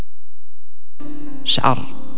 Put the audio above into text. شعر